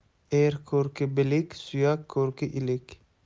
er ko'rki bilik suyak ko'rki ilik